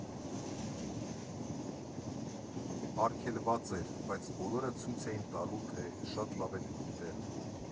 Արգելված էր, բայց բոլորը ցույց էին տալիս, թե շատ լավ էլ գիտեն։